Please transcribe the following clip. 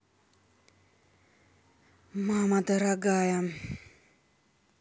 мама дорогая